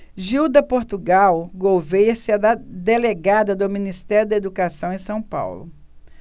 gilda portugal gouvêa será delegada do ministério da educação em são paulo